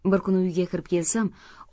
bir kuni uyga kirib kelsam